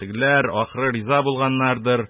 Тегеләр, ахры, риза булганнардыр,